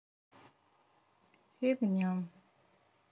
фигня